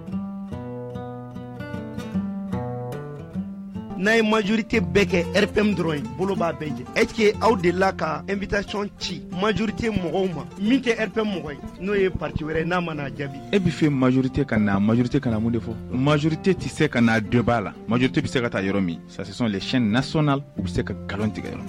N'a ye majri tɛ bɛɛ kɛ p dɔrɔn bolo bɛɛ jɛ e aw de la ka e bɛ taaɔn ci majri tɛ mɔgɔw ma min tɛ p mɔgɔ n'o yeti wɛrɛ n'a mana jaabi e bɛ fɛ mari tɛ ka na majri te ka na mun de fɔ majorite tɛ tɛ se ka' dɔba' la maj tɛ bɛ se ka taa yɔrɔ min sisansi leyɛn na sɔn u bɛ se ka nkalon tigɛyɔrɔ